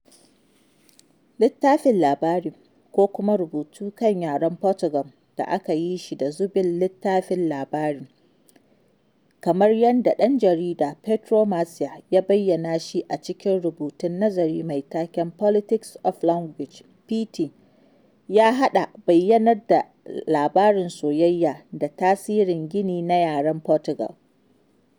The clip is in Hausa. Littafin labari – ko kuma “rubutu kan yaren Fotugal da aka yi shi da zubin littafin labari,” kamar yadda ɗan jarida Pedro Mexia ya bayyana shi a cikin rubutun nazari mai taken Politics of Language [pt] – ya haɗa bayar da labarin soyayya da tsarin gini na yaren Fotugal.